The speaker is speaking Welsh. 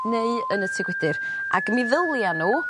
neu yn y tŷ gwydyr ag mi ddylia n'w